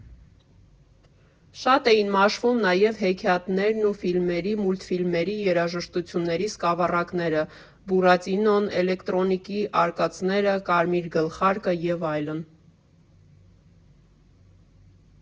Շուտ էին մաշվում նաև հեքիաթներն ու ֆիլմերի, մուլտֆիլմերի երաժշտությունների սկավառակները՝ «Բուրատինոն», «Էլեկտրոնիկի արկածները», «Կարմիր գլխարկը» և այլն։